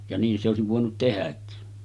ja niin se olisi voinut tehdäkin